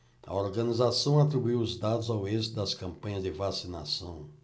a organização atribuiu os dados ao êxito das campanhas de vacinação